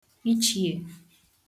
ichìē